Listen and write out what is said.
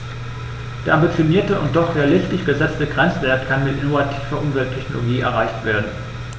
Der ambitionierte und doch realistisch gesetzte Grenzwert kann mit innovativer Umwelttechnologie erreicht werden.